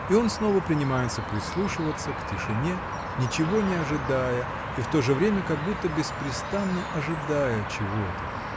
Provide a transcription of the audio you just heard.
И он снова принимается прислушиваться к тишине, ничего не ожидая -- и в то же время как будто беспрестанно ожидая чего-то